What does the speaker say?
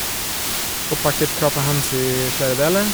Og parterte kroppen hans i flere deler.